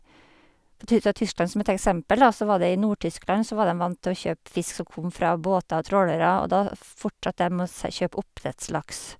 For ty ta Tyskland som et eksempel, da, så var det i Nord-Tyskland så var dem vant til å kjøpe fisk som kom fra båter og trålere, og da f fortsatte dem å se kjøpe oppdrettslaks.